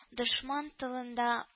Дошман тылында